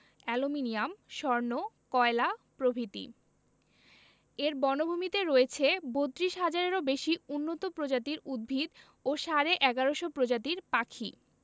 aluminium স্বর্ণ কয়লা প্রভৃতি এর বনভূমিতে রয়েছে ৩২ হাজারেরও বেশি উন্নত প্রজাতির উদ্ভিত ও সাড়ে ১১শ প্রজাতির পাখি